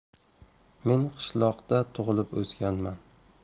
men qishloqda tug'ilib o'sganman